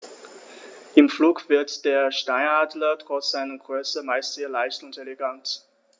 Im Flug wirkt der Steinadler trotz seiner Größe meist sehr leicht und elegant.